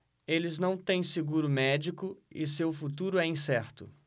eles não têm seguro médico e seu futuro é incerto